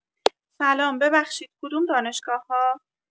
سلام ببخشید کدوم دانشگاه‌‌ها؟